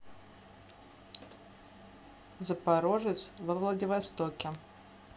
запорожец во владивостоке